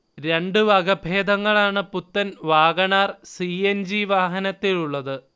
രണ്ട് വകഭേദങ്ങളാണ് പുത്തൻ Wagon R. C. N. G വാഹനത്തിലുള്ളത്